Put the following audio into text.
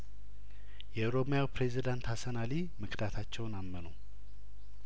የኦሮሚያው ፕሬዝዳንት ሀሰን አሊ መክዳታቸውን አመኑ